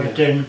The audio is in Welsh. Wedyn ia.